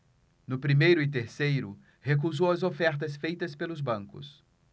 no primeiro e terceiro recusou as ofertas feitas pelos bancos